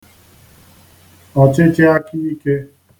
ọ̀chịchịakaikē